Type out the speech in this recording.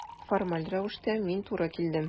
Формаль рәвештә мин туры килдем.